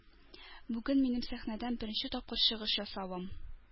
Бүген минем сәхнәдән беренче тапкыр чыгыш ясавым.